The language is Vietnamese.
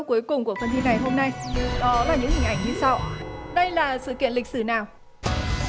cuối cùng của phần thi này hôm nay đó là những hình ảnh như sau đây là sự kiện lịch sử nào